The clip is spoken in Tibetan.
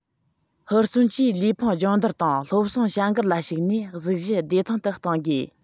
ཧུར བརྩོན གྱིས ལུས ཕུང སྦྱོང བརྡར དང སློབ གསེང བྱ འགུལ ལ ཞུགས ནས གཟུགས གཞི ཇེ ཐང དུ གཏོང དགོས